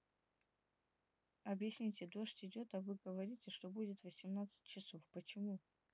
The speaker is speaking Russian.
объясните дождь идет а вы говорите что будет восемнадцать часов почему